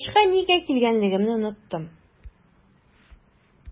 Врачка нигә килгәнлегемне оныттым.